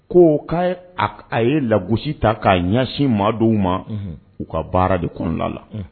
Ko k'a a ye lagosi ta k'a ɲasin maadɔw ma, unhun , u ka baara de kɔnɔna la